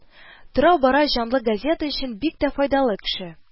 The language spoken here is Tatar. Тора-бара җанлы газета өчен бик тә файдалы кеше